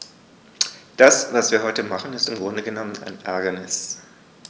Das, was wir heute machen, ist im Grunde genommen ein Ärgernis.